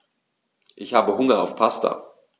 Ich habe Hunger auf Pasta.